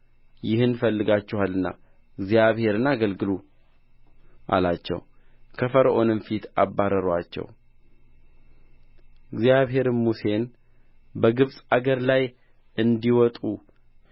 ይህን ፈልጋችኋልና እግዚአብሔርን አገልግሉ አላቸው ከፈርዖንም ፊት አባረሩአቸው እግዚአብሔርም ሙሴን በግብፅ አገር ላይ እንዲወጡ